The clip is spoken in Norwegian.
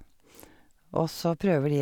Og så prøver de...